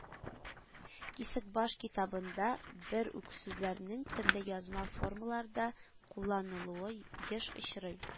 "кисекбаш китабы"нда бер үк сүзләрнең төрле язма формаларда кулланылуы еш очрый